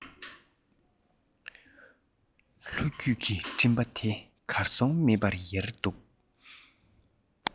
ལྷོ བཞུད ཀྱི སྤྲིན པ དེ གར སོང མེད པར ཡལ འདུག